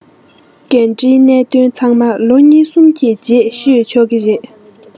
འགན འཁྲིའི གནད དོན ཚང མ ལོ གཉིས གསུམ གྱི རྗེས ཤོད ཆོག གི རེད